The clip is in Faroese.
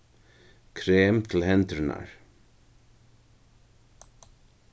krem til hendurnar